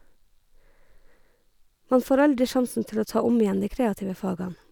Man får aldri sjansen til å ta om igjen de kreative faga.